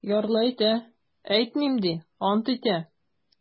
Ярлы әйтә: - әйтмим, - ди, ант итә.